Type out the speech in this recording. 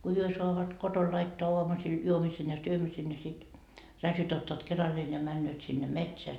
kun he saavat kotona laittaa aamusilla juomisen ja syömisen ja sitten radiot ottavat keralleen ja menevät sinne metsään